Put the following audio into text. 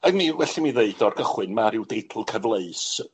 Ac mi, well i mi ddeud o'r cychwyn, ma' ryw deitl cyfleus